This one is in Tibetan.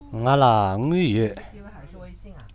ང ལ དངུལ ཡོད